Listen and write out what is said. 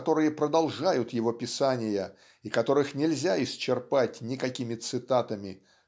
которые продолжают его писания и которых нельзя исчерпать никакими цитатами